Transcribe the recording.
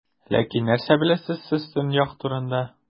Ләкин нәрсә беләсез сез Төньяк турында?